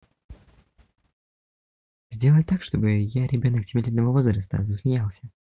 сделай так чтобы я ребенок семилетнего возраста засмеялся